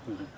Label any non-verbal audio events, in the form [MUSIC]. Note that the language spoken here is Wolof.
[HESITATION] [HESITATION]